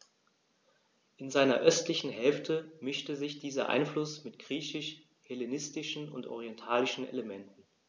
In seiner östlichen Hälfte mischte sich dieser Einfluss mit griechisch-hellenistischen und orientalischen Elementen.